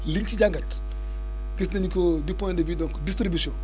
lién ci jàngat gis nañu que du point de vue donc distribution